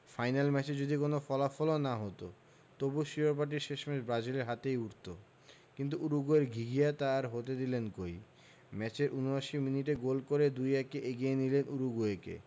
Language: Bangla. ফাইনাল ম্যাচে যদি কোনো ফলাফলও না হতো তবু শিরোপাটি শেষমেশ ব্রাজিলের হাতেই উঠত কিন্তু উরুগুয়ের ঘিঘিয়া তা আর হতে দিলেন কই ম্যাচের ৭৯ মিনিটে গোল করে ২ ১ এ এগিয়ে নিলেন উরুগুয়েকে